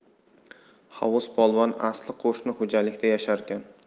hovuz polvon asli qo'shni xo'jalikda yasharkan